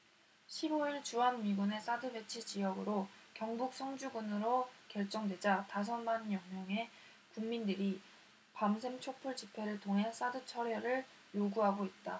십 오 일 주한미군의 사드 배치 지역으로 경북 성주군으로 결정되자 다섯 만여명의 군민들이 밤샘 촛불 집회를 통해 사드 철회를 요구하고 있다